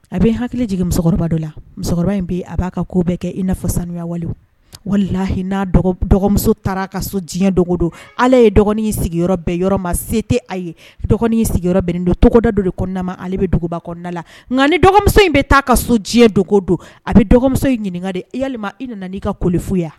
A bɛ n hakili jigin musokɔrɔba dɔ la musokɔrɔba in bɛ a b'a ka ko bɛɛ kɛ ifa sanuya walimahi n'a dɔgɔmuso taara ka so diɲɛ dogo don ala ye dɔgɔnin in sigiyɔrɔ bɛɛ yɔrɔ ma se tɛ a ye dɔgɔnin in sigiyɔrɔ bɛn don tɔgɔda don dema ale bɛ duguba kɔnɔna la nka ni dɔgɔmuso in bɛ taa ka so diɲɛ dogo don a bɛ dɔgɔmuso in ɲininkaka de e ya i nana' i ka ko foyiya